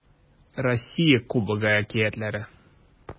Россия Кубогы әкиятләре